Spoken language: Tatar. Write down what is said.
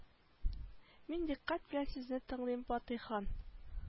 Мин дикъкать белән сезне тыңлыйм батый хан